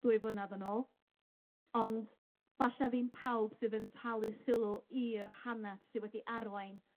dwy flynadd yn ôl ond falla ddim pawb sydd yn talu sylw i'r hanas sy wedi arwain